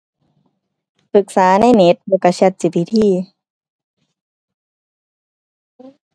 ศึกษาในเน็ตแล้วก็ ChatGPT